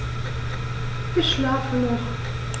Ich schlafe noch.